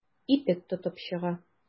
Итек тотып чыга.